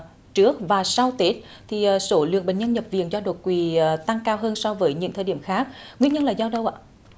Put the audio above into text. trước và sau tết thì số lượng bệnh nhân nhập viện do đột quỵ ờ tăng cao hơn so với những thời điểm khác nguyên nhân là do đâu ạ